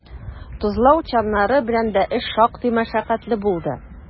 Тозлау чаннары белән дә эш шактый мәшәкатьле булды.